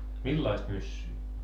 millaista myssyä